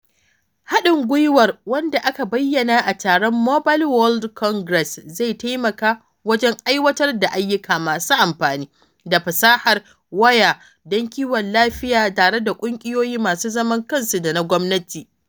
Haɗin gwiwar, wanda aka bayyana a taron Mobile World Congress, zai taimaka wajen aiwatar da ayyuka masu amfani da fasahar waya don kiwon lafiya tare da ƙungiyoyi masu zaman kansu da na gwamnati.